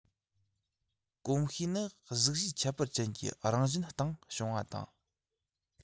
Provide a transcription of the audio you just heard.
གོམས གཤིས ནི གཟུགས གཞིའི ཁྱད པར ཅན གྱི རང བཞིན སྟེང བྱུང བ དང